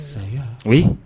Saya? oui?